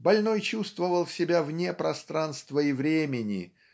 Больной чувствовал себя вне пространства и времени